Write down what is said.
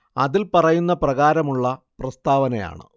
അതില്‍ പറയുന്ന പ്രകാരമുള്ള പ്രസ്താവനയാണ്